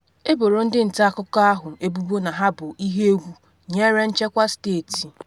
E boro ndị nta akụkọ ahụ ebubo na ha bụ ihe égwu nyere nchekwa steeti